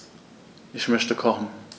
Ich möchte kochen.